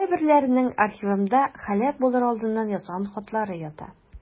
Кайберләренең архивымда һәлак булыр алдыннан язган хатлары ята.